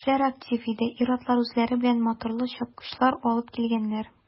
Кешеләр актив иде, ир-атлар үзләре белән моторлы чапкычлар алыпн килгәннәр.